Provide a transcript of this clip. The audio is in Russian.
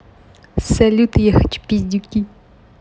салют я хочу пиздюки